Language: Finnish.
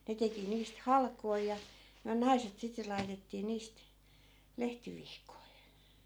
ne teki niistä halkoja ja me naiset sitten laitettiin niistä lehtivihkoja